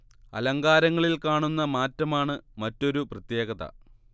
അലങ്കാരങ്ങളിൽ കാണുന്ന മാറ്റമാണ് മറ്റൊരു പ്രത്യേകത